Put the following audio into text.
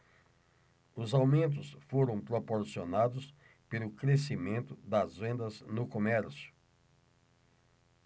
os aumentos foram proporcionados pelo crescimento das vendas no comércio